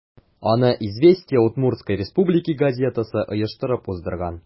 Аны «Известия Удмуртсткой Республики» газетасы оештырып уздырган.